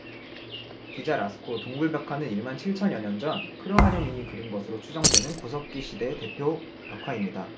기자 라스코 동굴벽화는 일 만 칠 천여 년 전 크로마뇽인이 그린 것으로 추정되는 구석기시대 대표 벽화입니다